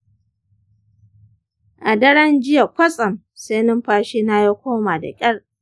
a daren jiya kwatsam sai numfashina ya koma da ƙyar.